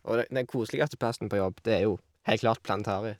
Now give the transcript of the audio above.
Og det den koseligste plassen på jobb, det er jo heilt klart planetariet.